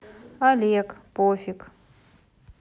олег пофиг